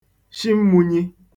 shi mmunyi